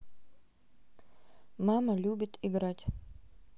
мама любит играть